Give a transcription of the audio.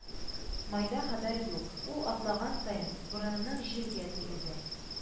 Майда хәбәре юк, ул атлаган саен, борынын җиргә тигезә